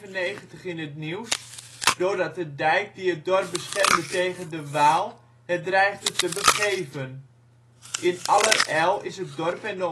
1995 in het nieuws doordat de dijk die het dorp beschermde tegen de Waal het dreigde te begeven. In allerijl is het dorp en de omgeving